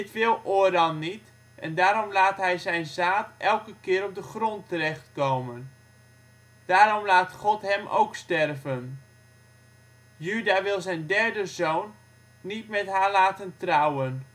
wil Oran niet en daarom laat hij zijn zaad elke keer op de grond terecht komen. Daarom laat God hem ook sterven. Juda wil zijn derde zoon niet met haar laten trouwen